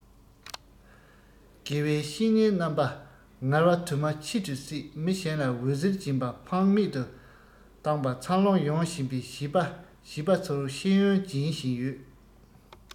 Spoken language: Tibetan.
དགེ བའི བཤེས གཉེན རྣམ པ ངལ བ དུ མ ཁྱད དུ བསད མི གཞན ལ འོད ཟེར སྦྱིན པ ཕངས མེད དུ བཏང པ འཚར ལོངས ཡོང བཞིན པའི བྱིས པ བྱིས པ ཚོར ཤེས ཡོན སྦྱིན བཞིན ཡོད